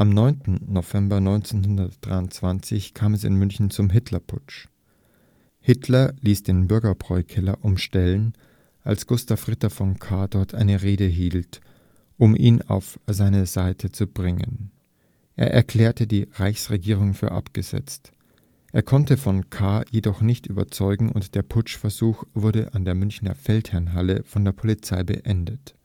9. November 1923 kam es in München zum Hitlerputsch. Hitler ließ den Bürgerbräukeller umstellen, als Gustav Ritter von Kahr dort eine Rede hielt, um ihn auf seine Seite zu bringen. Er erklärte die Reichsregierung für abgesetzt. Er konnte von Kahr jedoch nicht überzeugen, und der Putschversuch wurde an der Münchner Feldherrnhalle von der Polizei beendet